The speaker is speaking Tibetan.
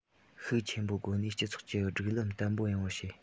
ཤུགས ཆེན པོའི སྒོ ནས སྤྱི ཚོགས ཀྱི སྒྲིག ལམ བརྟན པོ ཡོང བར བྱེད